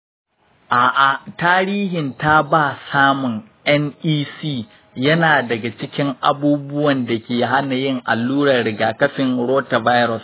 a’a, tarihin taɓa samun nec yana daga cikin abubuwan da ke hana yin allurar rigakafin rotavirus.